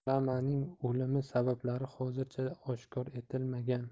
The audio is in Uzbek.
salamaning o'limi sabablari hozircha oshkor etilmagan